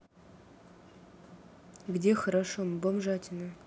где хорошо мы бомжатина